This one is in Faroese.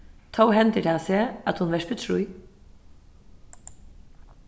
tó hendir tað seg at hon verpur trý